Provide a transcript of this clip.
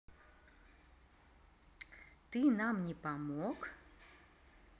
ты нам не помог